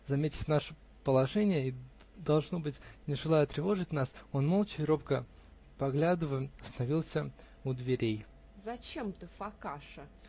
заметив наше положение и, должно быть, не желая тревожить нас, он, молча и робко поглядывая, остановился у дверей. -- Зачем ты, Фокаша?